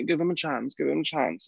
Give him a chance, give him a chance.